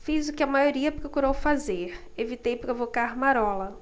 fiz o que a maioria procurou fazer evitei provocar marola